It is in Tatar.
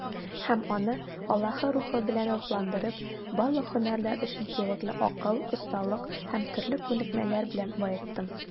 Һәм аны, Аллаһы Рухы белән рухландырып, барлык һөнәрләр өчен кирәкле акыл, осталык һәм төрле күнекмәләр белән баеттым.